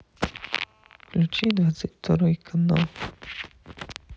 включи двадцать второй канал